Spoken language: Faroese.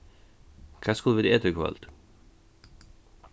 hvat skulu vit eta í kvøld